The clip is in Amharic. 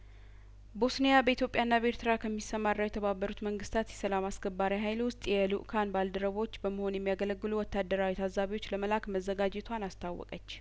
ቦስኒያበኢትዮጵያ ና በኤርትራ ከሚሰማራው የተባበሩት መንግስታት የሰላም አስከባሪ ሀይል ውስጥ የልኡካን ባልደረቦች በመሆን የሚያገለግሉ ወታደራዊ ታዛቢዎች ለመላክ መዘጋጀቷን አስታወቀች